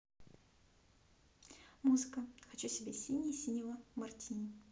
музыка хочу себе синий синего мартини